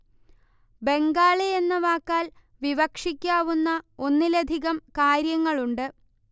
ബംഗാളി എന്ന വാക്കാൽ വിവക്ഷിക്കാവുന്ന ഒന്നിലധികം കാര്യങ്ങളുണ്ട്